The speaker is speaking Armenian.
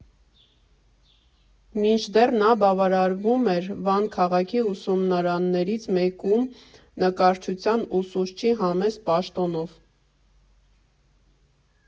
Մինչդեռ նա բավարարվում էր Վան քաղաքի ուսումնարաններից մեկում նկարչության ուսուցչի համեստ պաշտոնով։